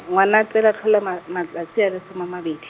Ngwanatsele a tlhola ma-, matsatsi a le some a mabedi.